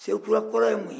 sekura kɔrɔ ye mun ye